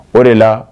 O de la